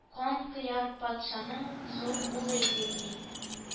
Канкояр патшаның зур улы иде, ди